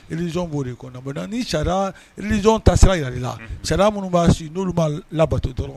Ilizon b'o de kɔnɔ bɔn ni caliz ta sira yɛrɛli la sariya minnu' olu b'a labato dɔrɔn